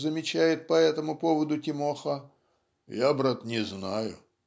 замечает по этому поводу Тимоха, я, брат, и не знаю".